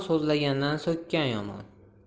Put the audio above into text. so'zlagandan so'kkan yomon